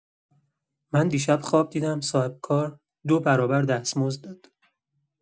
من دیشب خواب دیدم صاحب‌کار دو برابر دستمزد داد.